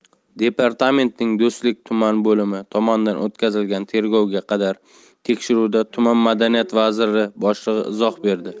departamentning do'stlik tuman bo'limi tomonidan o'tkazilgan tergovga qadar tekshiruvda tuman madaniyat markazi boshlig'i izoh berdi